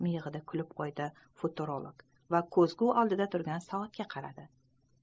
miyig'ida kulib qo'ydi futurolog va ko'zgu oldida turgan soatga qaradi